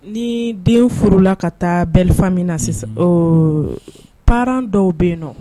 Nii den furula ka taa belle famille na sisan euh parents dɔw bɛ yen nɔ